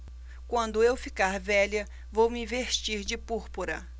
quando eu ficar velha vou me vestir de púrpura